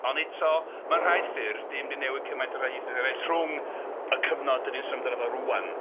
Ond eto mewn rhai ffyrdd 'di hi ddim 'di newid cymaint a rhai ieithoedd eraill rhwng y cyfnod dan ni'n sôn amdano fo rŵan.